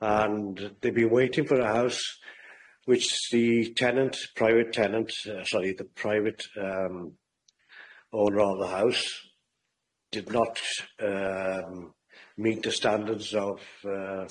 And they've been waiting for a house which the tenant private tenant yy sorry the private yym owner of the house did not yy meet the standards of yy...